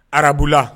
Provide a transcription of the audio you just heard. Arabula